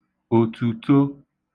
òtìto